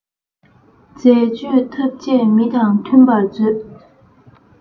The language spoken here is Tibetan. མཛད སྤྱོད ཐབས ཅད མི དང མཐུན པར མཛོད